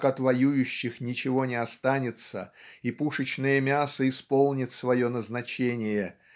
как от воюющих ничего не останется и пушечное мясо исполнит свое назначение